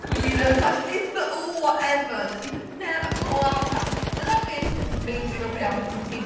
We know Tasha. It's the "or whatever". Like, you can never plan that. Dyna beth sy'n amazing am reality TV